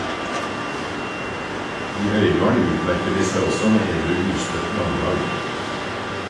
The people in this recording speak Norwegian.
I Øygarden utmerker de seg også med edru ustøtt ganglag.